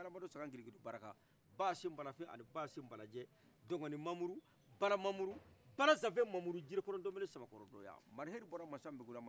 galamado saka gilikidi baraka ba senbalafin ani ba senbalajɛ dɔnni mamuru bala mamuru bala zafe mamuru jirekɔrɔ donbile samakɔrɔ dɔya mari heli bɔra masa mbekula